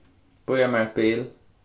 bíða mær eitt bil